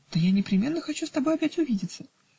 -- "Да я непременно хочу с тобою опять видеться".